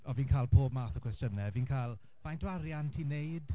O fi'n cael pob math o cwestiynnau. Fi'n cael "faint o arian ti'n wneud"?